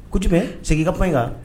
Kojugu segin ka fɔ in kan